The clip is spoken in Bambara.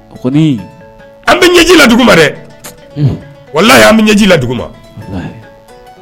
An bɛ ɲɛji i la dugu ma dɛ wala la an bɛ ɲɛji i la dugu ma